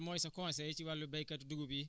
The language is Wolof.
dàq rek moo koy moo koy tax a jóge foofu